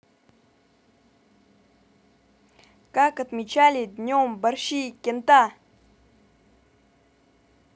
как отмечали днем борщи кента